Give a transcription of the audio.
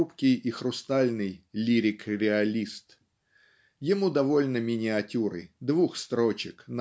хрупкий и хрустальный лирик-реалист. Ему довольно миниатюры двух строчек